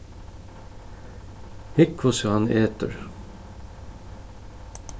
hygg hvussu hann etur